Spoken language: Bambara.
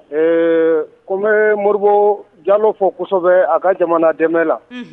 Ee ko n bɛ Moribo jalo fɔ kɔsɛbɛ a ka jamana dɛmɛ la.